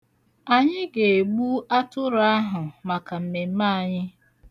Anyị ga-egbu atụrụ ahụ maka mmemme anyị.